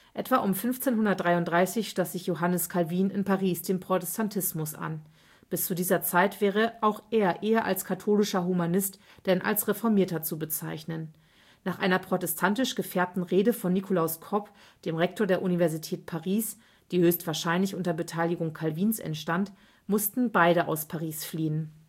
Etwa um 1533 schloss sich Johannes Calvin in Paris dem Protestantismus an. Bis zu dieser Zeit wäre auch er eher als katholischer Humanist denn als Reformierter zu bezeichnen. Nach einer protestantisch gefärbten Rede von Nicolaus Cop, dem Rektor der Universität Paris, die höchstwahrscheinlich unter Beteiligung Calvins entstand, mussten beide aus Paris fliehen